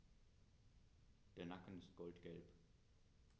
Der Nacken ist goldgelb.